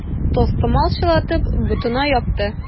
Тастымал чылатып, ботына япты.